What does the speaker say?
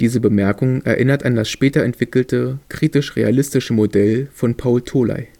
“Diese Bemerkung erinnert an das später entwickelte „ kritisch-realistische Modell “von Paul Tholey